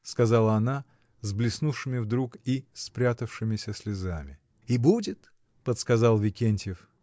— сказала она, с блеснувшими вдруг и спрятавшимися слезами. — И будет! — подсказал Викентьев.